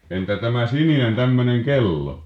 entä tämä sininen tämmöinen kello